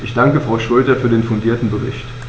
Ich danke Frau Schroedter für den fundierten Bericht.